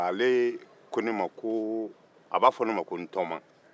ale ko ne ma koo a b'a fɔ ne ma ko n tɔgɔma